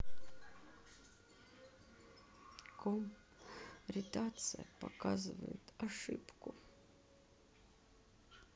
come редакция показывает ошибку